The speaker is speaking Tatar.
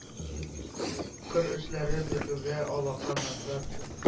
Кыр эшләре бетүгә, алаканатлар,